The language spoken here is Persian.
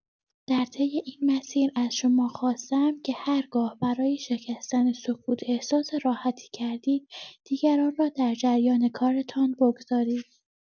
در طی این مسیر از شما خواسته‌ام که هرگاه برای شکستن سکوت احساس راحتی کردید، دیگران را در جریان کارتان بگذارید.